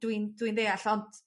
dwi'n dwi'n ddeall ont